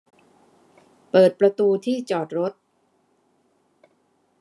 เปิดประตูที่จอดรถ